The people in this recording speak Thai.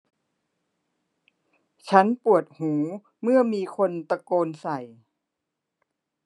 ฉันปวดหูเมื่อมีคนตะโกนใส่